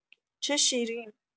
چه شیرین